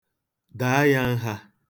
Daa ya nha.